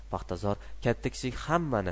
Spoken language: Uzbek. paxtazor katta kichik hammani